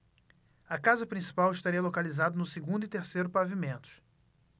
a casa principal estaria localizada no segundo e terceiro pavimentos